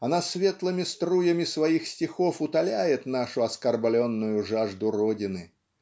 она светлыми струями своих стихов утоляет нашу оскорбленную жажду родины.